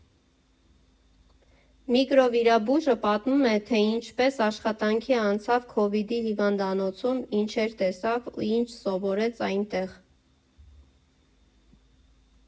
Միկրովիրաբույժը պատմում է, թե ինչպես աշխատանքի անցավ «քովիդի հիվանդանոցում», ինչեր տեսավ ու ինչ սովորեց այնտեղ։